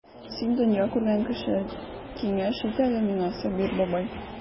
Син дөнья күргән кеше, киңәш ит әле миңа, Сабир бабай.